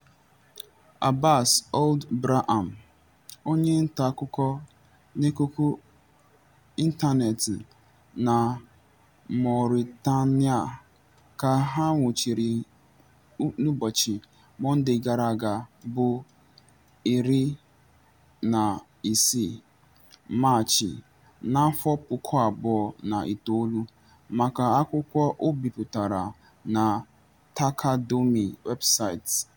Abbass Ould Braham, onye ntaakụkọ n'ikuku ịntanetị na Mauritania ka a nwụchiri n'ụbọchị Monde gara aga bụ 16 Maachị 2009, maka akwụkwọ o bipụtara na Taqadoumy Websait.